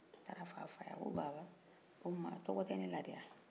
a taar'a f'a fa ye ko baba tɔgɔ tɛ ne la de wa